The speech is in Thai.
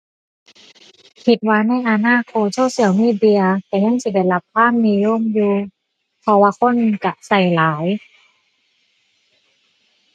คิดว่าในอนาคต social media ก็ยังสิได้รับความนิยมอยู่ เพราะว่าคนก็ก็หลาย